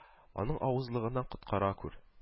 Аның авызлыгыннан коткара күр